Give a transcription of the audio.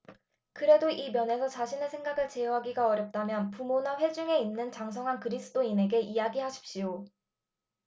그래도 이 면에서 자신의 생각을 제어하기가 어렵다면 부모나 회중에 있는 장성한 그리스도인에게 이야기하십시오